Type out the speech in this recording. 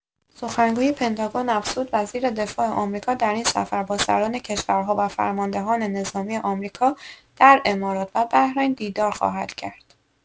سخنگوی پنتاگون افزود: «وزیر دفاع آمریکا در این سفر با سران کشورها و فرماندهان نظامی آمریکا در امارات و بحرین دیدار خواهد کرد».